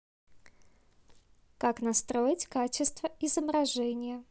как настроить качество изображения